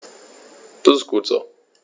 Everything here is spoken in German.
Das ist gut so.